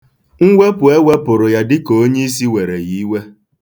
Mwepụ e wepụrụ ya dị ka onyiisioche were ya iwe.